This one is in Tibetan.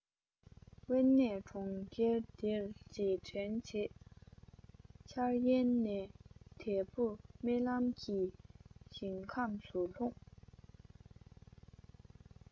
དབེན གནས གྲོང ཁྱེར འདིར རྗེས དྲན བྱེད འཆར ཡན ནས དལ བུར རྨི ལམ གྱི ཞིང ཁམས སུ ལྷུང